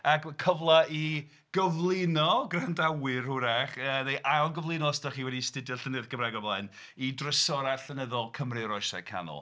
A cyfle i gyflwyno gwrandawyr, hwyrach, yy neu ail gyflwyno os dach chi wedi ystyried llenyddiaeth Gymraeg o blaen, i drysorau llenyddol Cymru'r Oesau Canol.